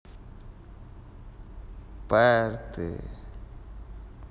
party